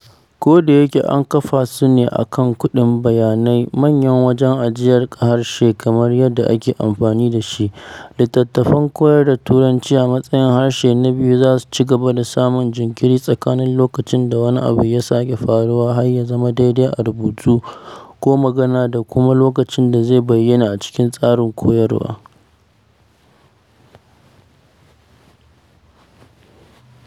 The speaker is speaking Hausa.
Ko da yake an kafa su a kan “kundin bayanai” — manyan wajen ajiyar harshe kamar yadda ake amfani da shi — littattafan koyar da Turanci a matsayin harshe na biyu za su ci gaba da samun jinkiri tsakanin lokacin da wani abu ya sake faruwa har ya zama daidai a rubutu ko magana da kuma lokacin da zai bayyana a cikin tsarin koyarwa.